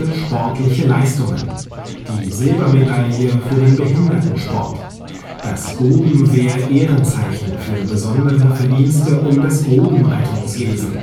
sportliche Leistungen, die Silbermedaille für den Behindertensport, das Grubenwehr-Ehrenzeichen für besondere Verdienste um das Grubenrettungswesen